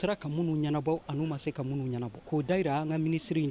U sera ka minnu ɲɛnabagaw ma se ka minnu ɲɛnabɔ k'o dara an ka minisiri